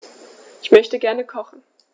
Ich möchte gerne kochen.